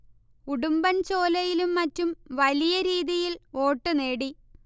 ഉടുമ്ബൻ ചോലയിലും മറ്റും വലിയ രീതിയിൽ വോട്ട് നേടി